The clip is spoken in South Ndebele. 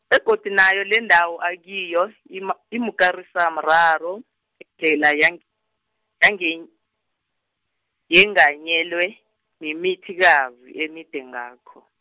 begodu nayo lendawo akiyo, ima- imukarisamraro, ekhela- yang- yangen- yenganyelwe mimithikazi emide ngakho.